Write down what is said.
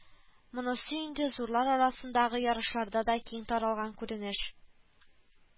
Монысы инде зурлар арасындагы ярышларда да киң таралган күренеш